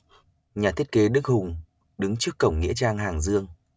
nhà thiết kế đức hùng đứng trước cổng nghĩa trang hàng dương